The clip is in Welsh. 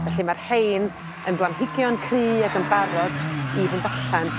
felly ma'r rhein yn blanhigion cry ac yn barod i fynd allan.